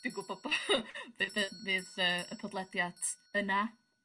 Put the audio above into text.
Dwi gwbo be by- fydd y y podlediad yna